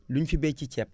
luñ fi bay si ceeb